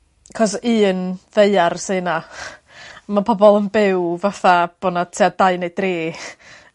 'c'os un ddaear sy 'na ma' pobol ynbyw fatha bo' 'na tua dau neu dri